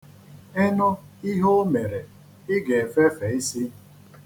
Ị nụ ihe o mere ị ga-efefe isi.